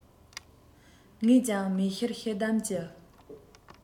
ངས ཀྱང མིག ཤེལ ཤེལ དམ གྱི